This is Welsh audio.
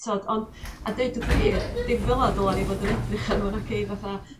t'od ond a deud y gwir dim fel 'a ddyla ni fod yn edrych arno fo naci fatha